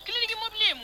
Kiloji mo bilen